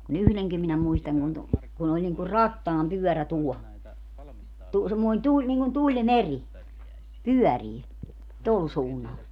kun yhdenkin minä muistan kun - kun oli niin kuin rattaanpyörä tuo - semmoinen tuli niin kuin tulimeri pyörii tuolla suunnalla